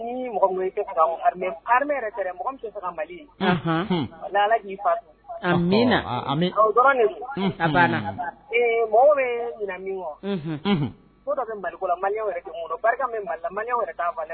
I mɔgɔ fo mali yɛrɛ barika bɛ mali yɛrɛ